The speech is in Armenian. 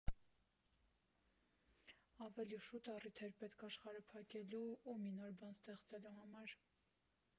Ավելի շուտ առիթ էր պետք աշխարհը փակելու ու մի նոր բան ստեղծելու համար։